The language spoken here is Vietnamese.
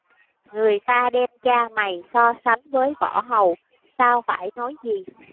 người ta đem cha mày so sánh với võ hầu sao phải nói gì